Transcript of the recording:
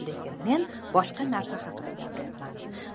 lekin men boshqa narsa haqida gapiryapman